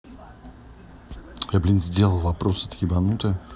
я блин сделал вопросы ты ебанутая